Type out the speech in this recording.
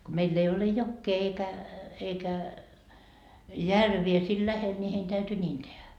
kun meillä ei ole jokea eikä eikä järviä siinä lähellä niin heidän täytyi niin tehdä